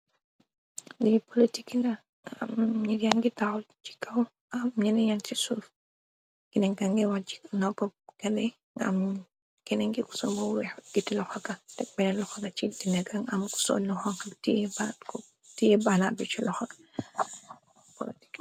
Dini pk nir yan gi taxw ci kaw am ñene yan ci suuf, ginengangi wax ci nopp kane ngam kena ngi ku samu wix giti loxaka tek benen loxoka cidinegan, am ku son nuxonb tie banabi ci loxa politk.